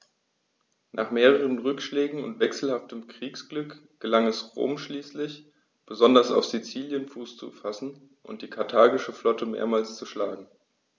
Nach mehreren Rückschlägen und wechselhaftem Kriegsglück gelang es Rom schließlich, besonders auf Sizilien Fuß zu fassen und die karthagische Flotte mehrmals zu schlagen.